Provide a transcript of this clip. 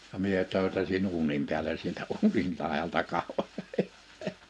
ja minä töytäsin uunin päälle sieltä uunin laidalta katsoin